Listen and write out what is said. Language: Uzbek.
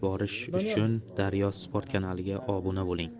borish uchun daryo sport kanaliga obuna bo'ling